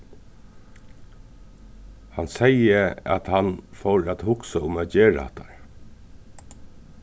hann segði at hann fór at hugsa um at gera hatta